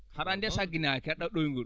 haɗa anndi a sagginaaki aɗa ɗoyngol